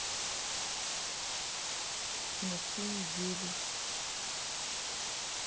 на всю неделю